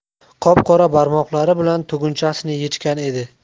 qop qora barmoqlari bilan tugunchasini yechgan edi